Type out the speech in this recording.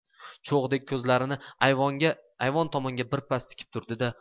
cho'g'dek ko'zlarini ayvon tomonga birpas tikib turdi da